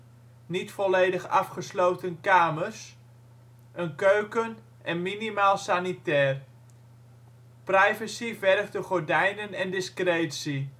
volledig afgesloten kamers), een keuken en minimaal sanitair. Privacy vergde gordijnen en discretie